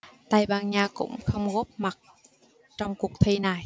tây ban nha cũng không góp mặt trong cuộc thi này